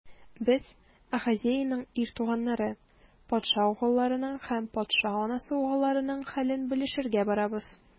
Без - Ахазеянең ир туганнары, патша угылларының һәм патша анасы угылларының хәлен белешергә барабыз.